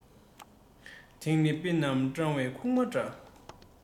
དེང གི དཔེ རྣམས སྤྲང བོའི ཁུག མ འདྲ